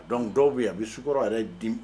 Dɔn dɔw bɛ a bɛ sukɔrɔ yɛrɛ di